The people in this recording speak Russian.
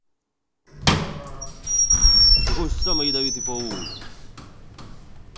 какой самый ядовитый паук